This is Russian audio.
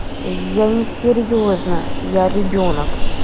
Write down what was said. я не серьезно я ребенок